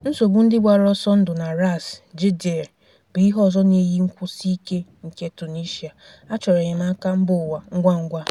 Nsogbu ndị gbara ọsọ ndụ na ras jdir bụ ihe ọzọ na-eyi nkwụsi ike nke Tunisia - a chọrọ enyemaka mba ụwa ngwa ngwa.